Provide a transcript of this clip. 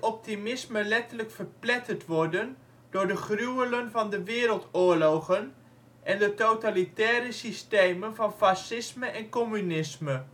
optimisme letterlijk verpletterd worden door de gruwelen van de wereldoorlogen en de totalitaire systemen van fascisme en communisme.